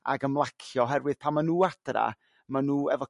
ag ymlacio 'herwydd pan ma' nhw adra ma nhw efo